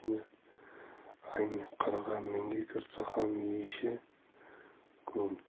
qarg'a mingga kirsa ham yeyishi go'ng